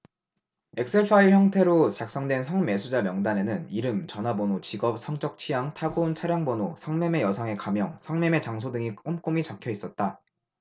엑셀파일 형태로 작성된 성매수자 명단에는 이름 전화번호 직업 성적 취향 타고 온 차량 번호 성매매 여성의 가명 성매매 장소 등이 꼼꼼히 적혀 있었다